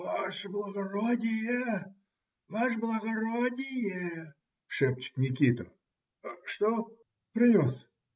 - Ваше благородие, ваше благородие! - шепчет Никита. - Что? А? Принес?